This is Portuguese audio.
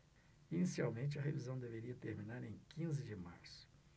inicialmente a revisão deveria terminar em quinze de março